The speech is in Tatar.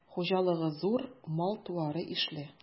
Хуҗалыгы зур, мал-туары ишле.